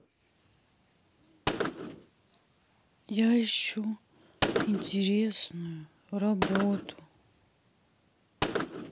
я ищу интересную работу